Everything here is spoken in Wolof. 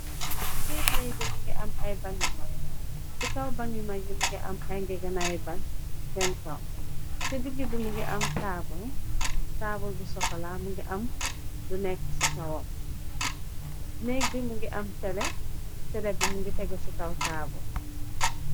Ci biir nékk bi mu ngi am ay bang yu mag, ci kaw bang yi mag yim mungi am ay ngegenai ay bang seen kaw, ci digg bi mu ngi am am taabul bi sokola mu ngi am lu nekk ci kawam, nékk bii mungi am téle, tele bi mu ngi tegé ci kaw taabal.